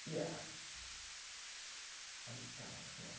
Ie. Ond dal chimod.